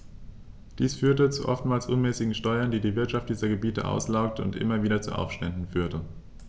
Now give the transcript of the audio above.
Dies führte zu oftmals unmäßigen Steuern, die die Wirtschaft dieser Gebiete auslaugte und immer wieder zu Aufständen führte.